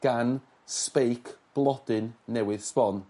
gan sbeic blodyn newydd sbon.